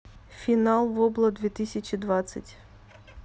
финал вобла две тысячи двадцать